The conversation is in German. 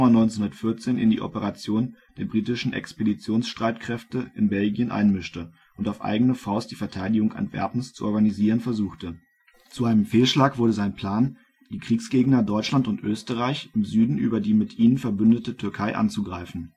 1914 in die Operationen der britischen Expeditionsstreitkräfte in Belgien einmischte und auf eigene Faust die Verteidigung Antwerpens zu organisieren versuchte. Zu einem Fehlschlag wurde sein Plan, die Kriegsgegner Deutschland und Österreich im Süden über die mit ihnen verbündete Türkei anzugreifen